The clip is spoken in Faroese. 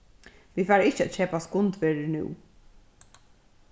vit fara ikki at keypa skundverðir nú